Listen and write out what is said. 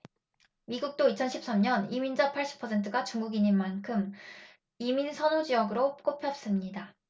미국도 이천 십 삼 년 이민자 팔십 퍼센트가 중국인일 만큼 이민 선호 지역으로 꼽혔습니다